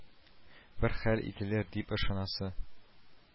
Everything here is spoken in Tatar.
Бер хәл ителер, дип ышанасы